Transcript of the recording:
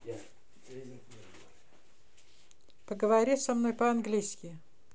поговори со мной по английски